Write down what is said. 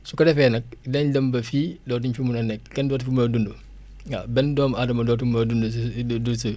su ko defee nag dinañ dem ba fii dootuñ fi mun a nekk kenn dootu fi mun a dund waaw benn doomu Adama dootu mën a dund ci dund si